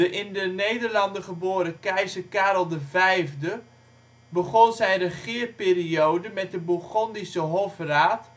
in de Nederlanden geboren keizer Karel V begon zijn regeerperiode met de Bourgondische hofraad